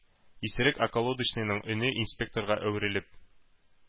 Исерек околодочныйның өне инспекторга әверелеп: